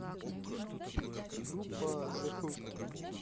группа зе ху